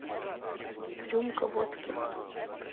рюмка водки